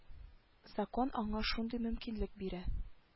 Закон аңа шундый мөмкинлек бирә